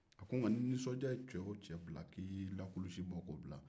nka ni nisɔndiya ye cɛ wo cɛ bila k'i y'i la kulusi bɔ k'o bila